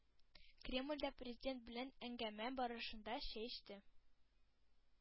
Кремльдә Президент белән әңгәмә барышында чәй эчте.